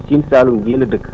Sina Saloum gii la dëkk